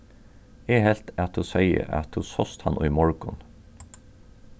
eg helt at tú segði at tú sást hann í morgun